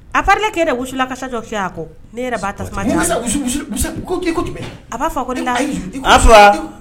A parilen ke la wusulan kasa dɔ fiyɛ a kɔ, ne yɛrɛ ba tasuma ɲaka d'a man, i ko mun, A ba fɔ ko ne b'a fɔ i ye .